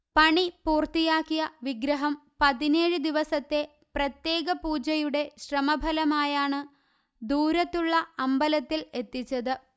പണി പൂർത്തിയാക്കിയ വിഗ്രഹം പതിനേഴ് ദിവസത്തെ പ്രത്യേക പൂജയുടെ ശ്രമഫലമായാണ് ദൂരത്തുള്ള അമ്പലത്തിൽ എത്തിച്ചത്